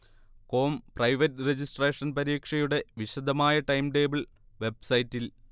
com private registration പരീക്ഷയുടെ വിശദമായ timetable വെബ്സൈറ്റിൽ